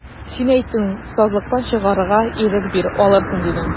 Син әйттең, сазлыктан чыгарга ирек бир, алырсың, дидең.